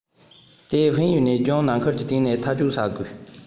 དེ ཧྥན ཡུས ནས ལྗོངས ནང ཁུལ གྱི བརྟེན ནས ཐག གཅོད བྱ དགོས